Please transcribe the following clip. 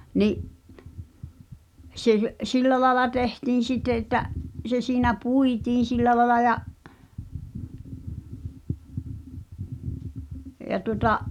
niin se sillä lailla tehtiin sitten että se siinä puitiin sillä lailla ja ja tuota